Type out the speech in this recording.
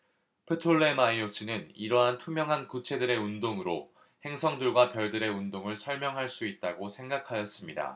프톨레마이오스는 이러한 투명한 구체들의 운동으로 행성들과 별들의 운동을 설명할 수 있다고 생각하였습니다